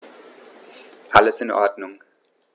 Alles in Ordnung.